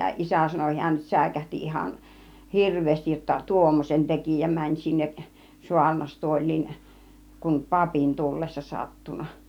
isä sanoi hän säikähti ihan hirveästi jotta tuommoisen teki ja meni sinne saarnastuoliin kun papin tullessa sattunut